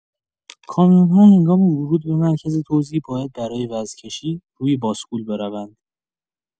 کامیون‌ها هنگام ورود به مرکز توزیع باید برای وزن‌کشی روی باسکول بروند.